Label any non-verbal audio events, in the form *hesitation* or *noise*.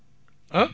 *hesitation*